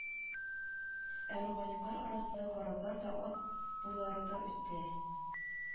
Ә Рубанюклар арасында караклар да, ат бурлары да, үте